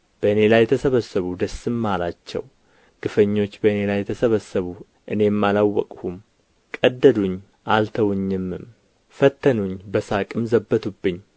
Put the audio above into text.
በእኔ ላይ ተሰበሰቡ ደስም አላቸው ግፈኞች በእኔ ላይ ተሰበሰቡ እኔም አላውቅሁም ቀደዱኝ አልተውኝምም ፈተኑኝ በሣቅም ዘበቱብኝ